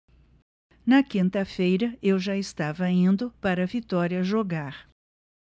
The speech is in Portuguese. na quinta-feira eu já estava indo para vitória jogar